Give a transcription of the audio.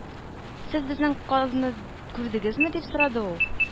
"сез безнең казны күрдегезме" дип сорады ул